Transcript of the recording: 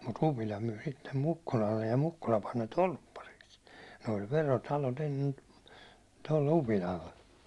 mutta Upila myi sitten Mukkulalle ja Mukkula pani ne torppariksi ne oli verotalot ennen tuolle Upilalle